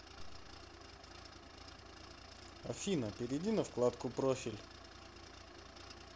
афина перейди на вкладку профиль